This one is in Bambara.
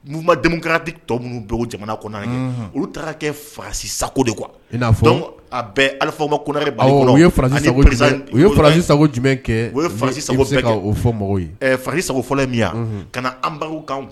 Mouvement démocratique tɔw minnu bɛ o jamana kɔnɔna kɛ Unhun, olu taara kɛ France sago ye quoi i n'a fɔ donc a bɛɛ Alifa Umaru Konare . Awɔ,u ye France sago jumɛn u ye France sago jumɛn kɛ? O ye France sago bɛɛ kɛ. ni i bɛ se ka u fɔ mɔgɔw ye ? France sago fɔlɔ ye min ye wa ? Ka na embargo k'an kun.